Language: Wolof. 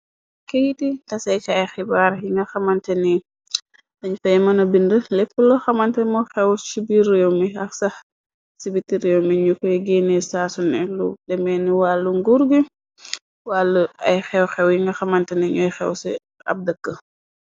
Keyiti taseekay xibaar yi nga xamante ni dañ fay mëna binde léppu lo xamante mo xew si biir réew mi, ak sax si biti réew mi, ñu koy génnee saasu ne lu demeeni wàllu nguur gi, wàllu ay xew-xew yi nga xamanteni ñuy xew ci ab dëkk.